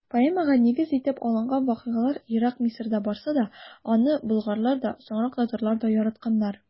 Поэмага нигез итеп алынган вакыйгалар ерак Мисырда барса да, аны болгарлар да, соңрак татарлар да яратканнар.